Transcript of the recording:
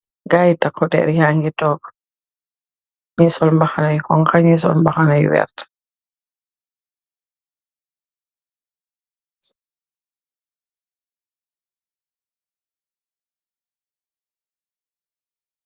Ay takka dèr ya ngi togg, ñi sol mbàxna yu xonxu, nyi sol mbàxna yu werta.